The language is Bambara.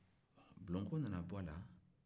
bulonko nana bɔ a la